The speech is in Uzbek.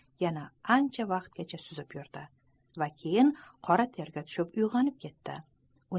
yana ancha vaqtgacha suzib yurdi va keyin qora terga tushib uyg'onib ketdi